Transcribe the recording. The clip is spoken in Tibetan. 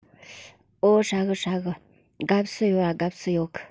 འོ ཧྲ གི ཧྲ གི དགའ བསུ ཡེད ལ དགའ བསུ ཡེད ལ